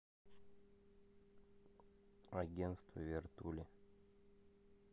агентство вертули